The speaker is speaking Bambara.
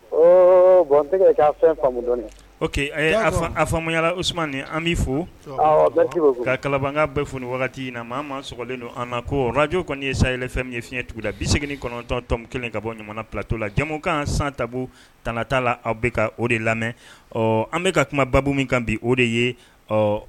A a faamuyamu yalala usuman nin an bɛ fo ka kalabakan bɛɛ f wagati in na maa ma sɔlen don an ma ko arajo kɔni ye sayɛlɛn fɛn min ye fiɲɛɲɛ tugunda bi segin kɔnɔntɔntɔn kelen ka bɔ jamana pato la jamukan san ta tta la aw bɛ ka o de lamɛn ɔ an bɛka ka kumaba min kan bi o de ye ɔ